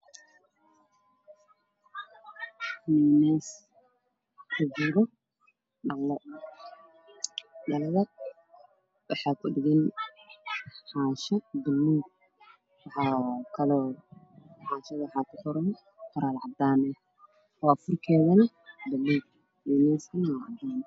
Meeshaan waxaa sawiran dhaloow waxaa ku dhigaan qalaf caddaanna dalalka kilarkeeduna waa madow